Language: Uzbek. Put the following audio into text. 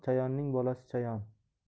chayonning bolasi chayon